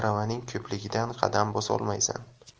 aravaning ko'pligidan qadam bosolmaysan